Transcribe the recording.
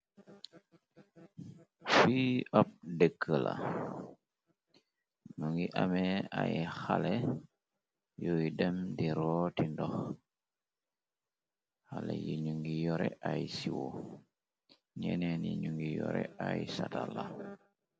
fii ab dekk la nu ngi amée ay xale yuy dem di rooti ndox xale yi ñu ngi yore ay siiwo ñeneen yi ñu ngi yore ay satala